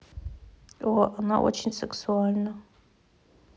о она очень сексуальна